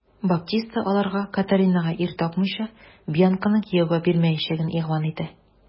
Баптиста аларга, Катаринага ир тапмыйча, Бьянканы кияүгә бирмәячәген игълан итә.